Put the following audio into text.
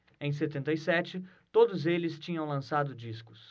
em setenta e sete todos eles tinham lançado discos